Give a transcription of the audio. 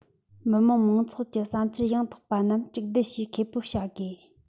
མི དམངས མང ཚོགས ཀྱི བསམ འཆར ཡང དག པ རྣམས གཅིག སྡུད བྱེད མཁས པོ བྱ དགོས